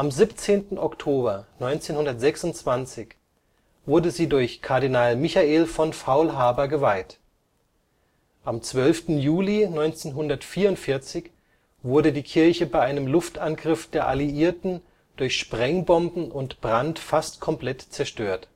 17. Oktober 1926 wurde sie durch Kardinal Michael von Faulhaber geweiht. Am 12. Juli 1944 wurde die Kirche bei einem Luftangriff der Alliierten durch Sprengbomben und Brand fast komplett zerstört